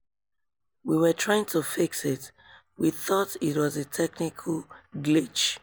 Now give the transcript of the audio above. We were trying to fix it, we thought it was a technical glitch.